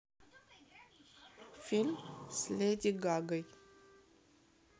фильм с леди гагой